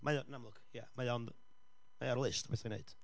Mae o yn amlwg, ia, mae o'n... mae o ar y list o betha i fi wneud.